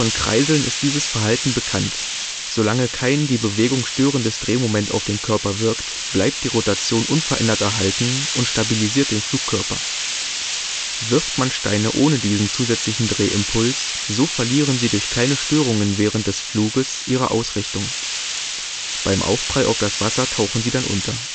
Kreiseln ist dieses Verhalten bekannt: Solange kein die Bewegung störendes Drehmoment auf den Körper wirkt, bleibt die Rotation unverändert erhalten und stabilisiert den Flugkörper. Wirft man Steine ohne diesen zusätzlichen Drehimpuls, so verlieren sie durch kleine Störungen während des Fluges ihre Ausrichtung. Beim Aufprall auf das Wasser tauchen sie dann unter